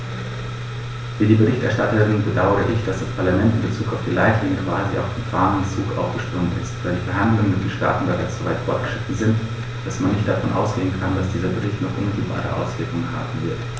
Wie die Berichterstatterin bedaure ich, dass das Parlament in bezug auf die Leitlinien quasi auf den fahrenden Zug aufgesprungen ist, da die Verhandlungen mit den Staaten bereits so weit fortgeschritten sind, dass man nicht davon ausgehen kann, dass dieser Bericht noch unmittelbare Auswirkungen haben wird.